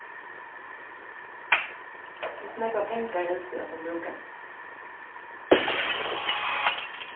hvussu nógvar pengar heldur tú at hann brúkar